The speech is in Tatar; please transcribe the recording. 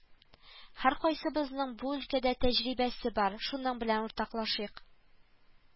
Һәркайсыбызның бу өлкәдә тәҗрибәсе бар, шуның белән уртаклашыйк